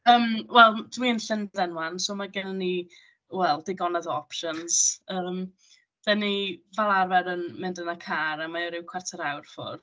Yym wel m- dwi yn Llundain 'wan so mae gennyn ni, wel, digonedd o options. Yym dan ni fel arfer yn mynd yn y car, a mae o ryw chwarter awr i ffwrdd.